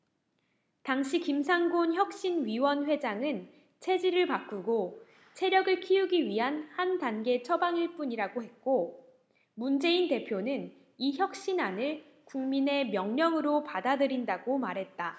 당시 김상곤 혁신위원회장은 체질을 바꾸고 체력을 키우기 위한 한 단계 처방일 뿐이라고 했고 문재인 대표는 이 혁신안을 국민의 명령으로 받아들인다고 말했다